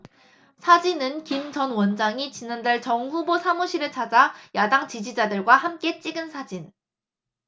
사진은 김 전 원장이 지난달 정 후보 사무실을 찾아 야당 지지자들과 함께 찍은 사진